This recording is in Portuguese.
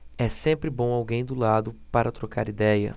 é sempre bom alguém do lado para trocar idéia